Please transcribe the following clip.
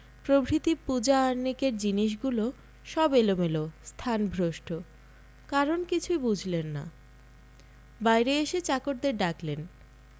প্রভৃতি পূজা আহ্নিকের জিনিসপত্রগুলো সব এলোমেলো স্থানভ্রষ্ট কারণ কিছুই বুঝলেন না বাইরে এসে চাকরদের ডাকলেন